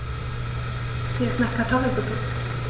Mir ist nach Kartoffelsuppe.